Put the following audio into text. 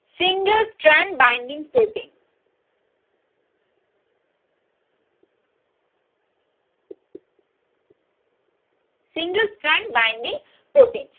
single strand binding protein single stand binding protein